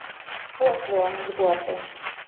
пошлые анекдоты